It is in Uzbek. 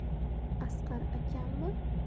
asqar akammi